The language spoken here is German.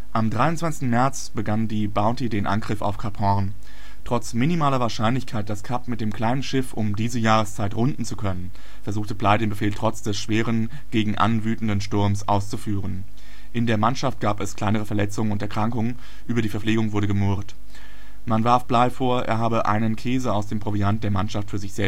Am 23. März begann die Bounty den Angriff auf Kap Hoorn. Trotz minimaler Wahrscheinlichkeit, das Kap mit dem kleinen Schiff um diese Jahreszeit runden zu können, versuchte Bligh den Befehl trotz des schweren gegenan wütenden Sturms auszuführen. In der Mannschaft gab es kleinere Verletzungen und Erkrankungen, über die Verpflegung wurde gemurrt. Man warf Bligh vor, er habe einen Käse aus dem Proviant der Mannschaft für sich